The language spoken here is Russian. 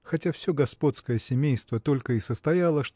хотя все господское семейство только и состояло